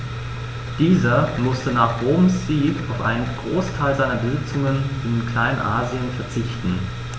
Dieser musste nach Roms Sieg auf einen Großteil seiner Besitzungen in Kleinasien verzichten.